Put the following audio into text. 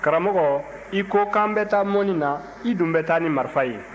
karamɔgɔ i ko k'an bɛ taa mɔnni na i dun bɛ taa ni marifa ye